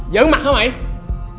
giỡn mặt hả mày